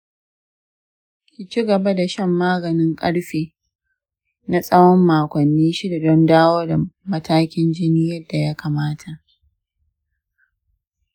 ki ci gaba da shan maganin ƙarfe na tsawon makonni shida don dawo da matakin jini yadda ya kamata.